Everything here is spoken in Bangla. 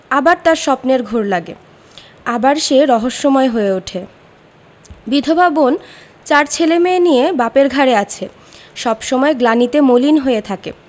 আবার তার স্বপ্নের ঘোর লাগে আবার সে রহস্যময় হয়ে উঠে বিধবা বোন চার ছেলেমেয়ে নিয়ে বাপের ঘাড়ে আছে সব সময় গ্লানিতে মলিন হয়ে থাকে